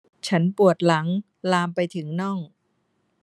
ฉันปวดหลังลามไปถึงน่อง